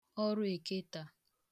ọrụeketà